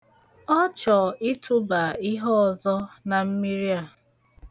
Ọ chọ ịtụba ihe ọzọ na mmiri a.